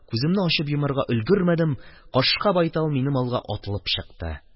Күземне ачып йомарга өлгермәдем – кашка байтал минем алга атылып чыкты